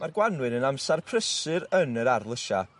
Ma'r Gwanwyn yn amsar prysur yn yr ardd lysia.